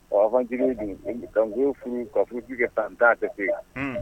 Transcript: Ɔ aventuriera dun accepter